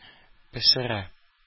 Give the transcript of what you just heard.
Пешерә